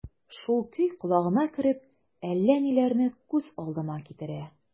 Шул көй колагыма кереп, әллә ниләрне күз алдыма китерә...